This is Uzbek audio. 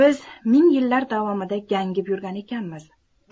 biz ming yillar davomida gangib yurgan ekanmiz